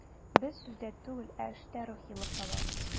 Без сүздә түгел, ә эштә рухилык табабыз.